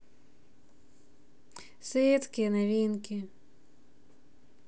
светские новинки